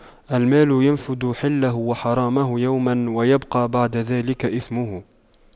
المال ينفد حله وحرامه يوماً ويبقى بعد ذلك إثمه